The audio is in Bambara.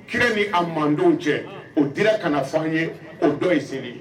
Kira ni a manden cɛ o di kana na fɔ ye o dɔ ye sen ye